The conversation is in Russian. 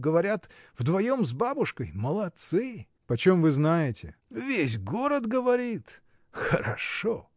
Говорят, вдвоем с бабушкой: молодцы! — Почем вы знаете? — Весь город говорит! Хорошо!